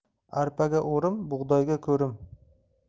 arpaga o'rim bug'doyga ko'rim